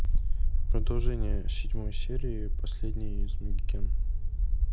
продолжение седьмой серии последний из магикян